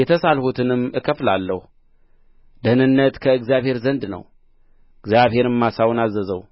የተሳልሁትንም እከፍላለሁ ደኅንነት ከእግዚአብሔር ዘንድ ነው እግዚአብሔርም ዓሣውን አዘዘው